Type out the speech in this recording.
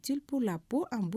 Ci'o la ko bɔ